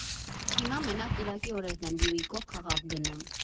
Հիմա մենակ կիրակի օրերն եմ Բյուիկով քաղաք գնում։